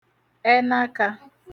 ẹnakā